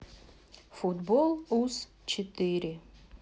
футбол уз четыре